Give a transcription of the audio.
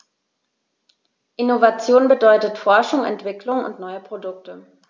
Innovation bedeutet Forschung, Entwicklung und neue Produkte.